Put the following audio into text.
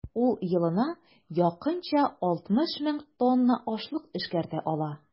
Ул елына якынча 60 мең тонна ашлык эшкәртә ала.